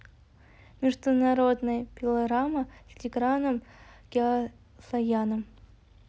международная пилорама с тиграном кеосаяном